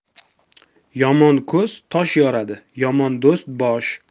yomon ko'z tosh yoradi yomon do'st bosh